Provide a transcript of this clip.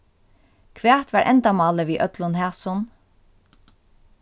hvat var endamálið við øllum hasum